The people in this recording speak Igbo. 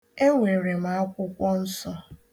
E nwere m akwụkwọnsọ